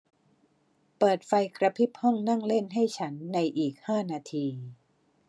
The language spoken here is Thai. เปิดไฟกระพริบห้องนั่งเล่นให้ฉันในอีกห้านาที